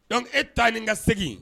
Dɔnkuc e ta ni ka segingin